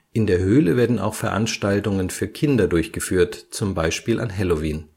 In der Höhle werden auch Veranstaltungen für Kinder durchgeführt, zum Beispiel an Halloween